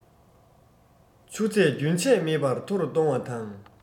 ཆུ ཚད རྒྱུན ཆད མེད པར མཐོ རུ གཏོང བ དང